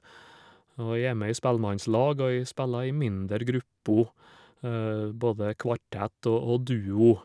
Og jeg er med i spellemannslag, og jeg speller i mindre grupper, både kvartett og og duo.